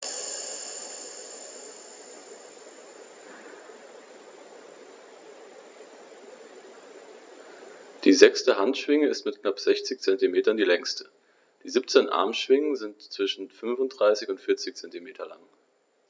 Die sechste Handschwinge ist mit knapp 60 cm die längste. Die 17 Armschwingen sind zwischen 35 und 40 cm lang.